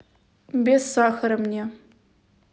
без сахара мне